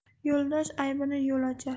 yo'ldosh aybini yo'l ochar